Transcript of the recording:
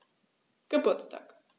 Geburtstag